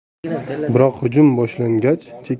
biroq hujum boshlangach chekka